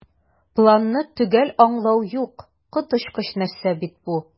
"планны төгәл аңлау юк, коточкыч нәрсә бит бу!"